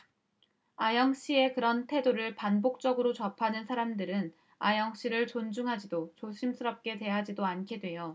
아영씨의 그런 태도를 반복적으로 접하는 사람들은 아영씨를 존중하지도 조심스럽게 대하지도 않게 돼요